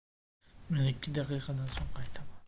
men ikki daqiqadan so'ng qaytaman